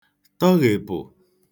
toghèpụ̀